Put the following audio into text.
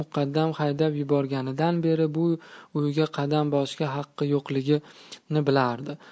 muqaddam haydab yuborganidan beri bu uyga qadam bosishga haqqi yo'qligini bilardi